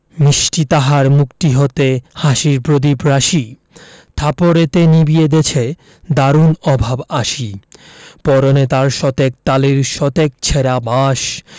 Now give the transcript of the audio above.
মিষ্টি তাহার মুখটি হতে হাসির প্রদীপ রাশি থাপড়েতে নিবিয়ে দেছে দারুণ অভাব আসি পরনে তার শতেক তালির শতেক ছেঁড়া বাস